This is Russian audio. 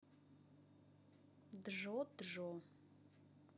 джо джо